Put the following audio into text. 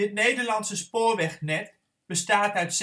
Nederlandse spoorwegnet bestaat uit